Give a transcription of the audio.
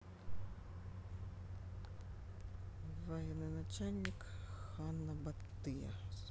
военоначальник ханабатыя